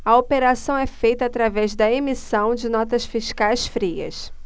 a operação é feita através da emissão de notas fiscais frias